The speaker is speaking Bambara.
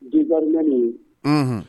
Biba min